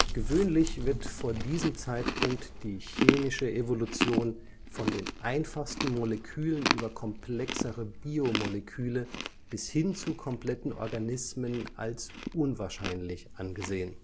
Gewöhnlich wird vor diesem Zeitpunkt die chemische Evolution von den einfachsten Molekülen über komplexere Biomoleküle bis hin zu kompletten Organismen als unwahrscheinlich angesehen